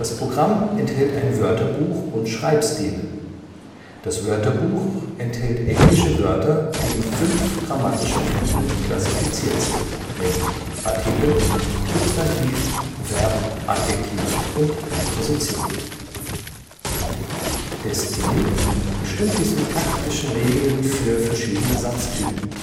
Programm enthält ein Wörterbuch und Schreibstile. Das Wörterbuch enthält englische Wörter, die in fünf grammatische Typen klassifiziert sind (Artikel, Substantiv, Verb, Adjektiv, Präposition). Der Stil bestimmt die syntaktischen Regeln für verschiedene Satztypen